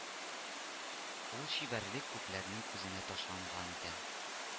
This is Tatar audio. Ул чибәрлек күпләрнең күзенә ташланган икән